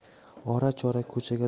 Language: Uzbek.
ora chora ko'chaga